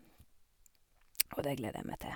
Og det gleder jeg meg til.